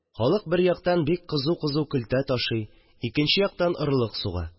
Халык бер яктан бик кызу-кызу көлтә ташый, икенче яктан орлык суга